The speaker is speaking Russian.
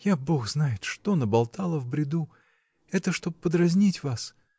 — Я бог знает что наболтала в бреду. это чтоб подразнить вас.